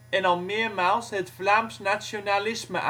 en al meermaals het Vlaams-nationalisme